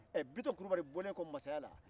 ɛɛ bitɔn kurubali bɔlen kɔ mansaya la